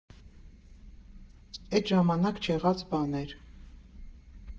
Էտ ժամանակ չեղած բան էր։